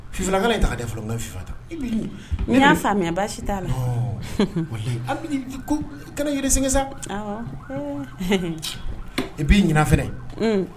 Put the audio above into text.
Fika ta fɔlɔ n baasi t'a la kana i b' ɲin fana